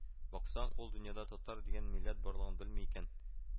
Баксаң, ул дөньяда татар дигән милләт барлыгын белми икән